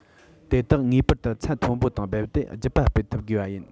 དེ དག ངེས པར དུ ཚད མཐོན པོ དང རྦད དེ རྒྱུད པ སྤེལ ཐུབ དགོས པ ཡིན